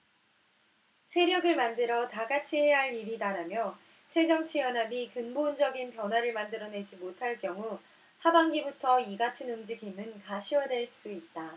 세력을 만들어 다같이 해야할 일이다라며 새정치연합이 근본적이 변화를 만들어내지 못할 경우 하반기부터 이같은 움직임은 가시화될 수 있다